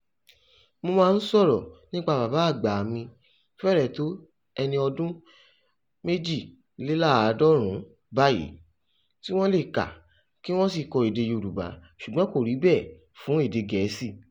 Mo máa ń sọ̀rọ̀ nípa bàbá àgbà mi (fẹ́rẹ̀ tó ẹni ọdún 92 báyìí) tí wọ́n lè kà kí wọ́n sì kọ èdè Yorùbá ṣùgbọ́n kò rí bẹ́ẹ̀ fún èdè Gẹ̀ẹ́sì.